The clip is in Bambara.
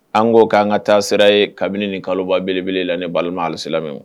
An ko k'an ka taa sira ye kabini ni kaloba belebele la ni balimama alisila